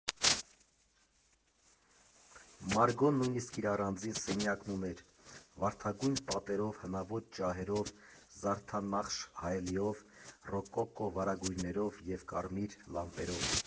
Մարգոն նույնիսկ իր առանձին սենյակն ուներ՝ վարդագույն պատերով, հնաոճ ջահերով, զարդանախշ հայելիով, ռոկոկո վարագույրներով ու կարմիր լամպերով։